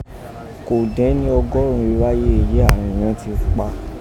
Ko dẹ́n ni ọgọrun iráyé èyí àrọ̀n yẹ̀n ti pa.